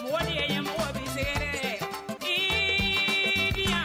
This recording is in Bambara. Wa ye ɲɛmɔgɔ bɛ sɛgɛn